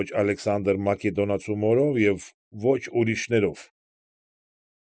Ոչ Ալեքսանդր Մակեդոնացու մորով և ոչ էլ ուրիշներով։